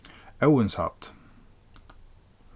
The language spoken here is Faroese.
óðinshædd